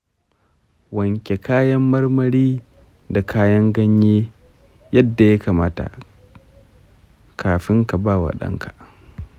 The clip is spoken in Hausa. wanke kayan marmari da kayan ganye yadda ya kamata kafin ka ba wa ɗanka.